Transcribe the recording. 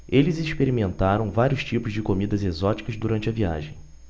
eles experimentaram vários tipos de comidas exóticas durante a viagem